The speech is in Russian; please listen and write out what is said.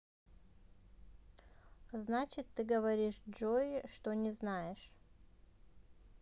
значит ты говоришь джой что не знаешь